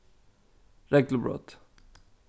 reglubrot